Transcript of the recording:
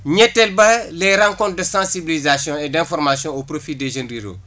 ñetteel ba les rencontres de sensibilisation et d' information au profil des jeunes ruraux